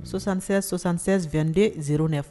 Sososan222de zee